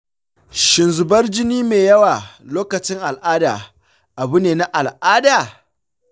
shin zubar jini mai yawa lokacin al'ada abu ne na al'ada ?